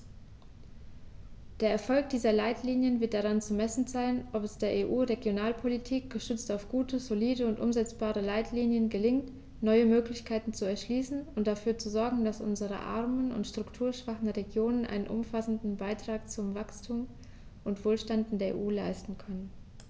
Der Erfolg dieser Leitlinien wird daran zu messen sein, ob es der EU-Regionalpolitik, gestützt auf gute, solide und umsetzbare Leitlinien, gelingt, neue Möglichkeiten zu erschließen und dafür zu sorgen, dass unsere armen und strukturschwachen Regionen einen umfassenden Beitrag zu Wachstum und Wohlstand in der EU leisten können.